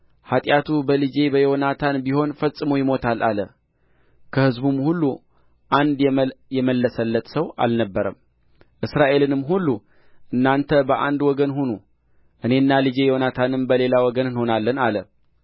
ኃጢአቱ በልጄ በዮናታን ቢሆን ፈጽሞ ይሞታል አለ ከሕዝቡም ሁሉ አንድ የመለሰለት ሰው አልነበረም እስራኤልንም ሁሉ እናንተ በአንድ ወገን ሁኑ እኔና ልጄ ዮናታንም በሌላ ወገን እንሆናለን አለ